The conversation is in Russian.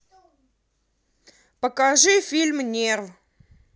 покажи фильм нерв